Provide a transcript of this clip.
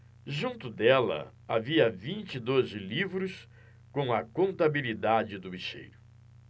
junto dela havia vinte e dois livros com a contabilidade do bicheiro